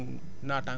Jokalante